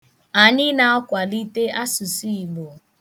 Anyị na-akwalite asụsụ Igbo.